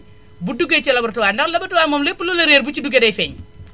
bu duggee ci laboratoire ndax laboratoireb moom lépp lu la réer bu ci duggee day feeñ